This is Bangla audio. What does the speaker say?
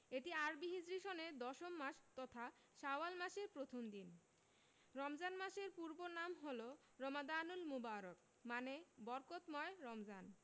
এটি আরবি হিজরি সনে দশম মাস তথা শাওয়াল মাসের প্রথম দিন রমজান মাসের পূর্ব নাম হলো রমাদানুল মোবারক মানে বরকতময় রমজান